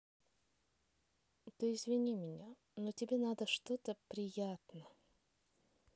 ты извини меня но тебе надо что то приятно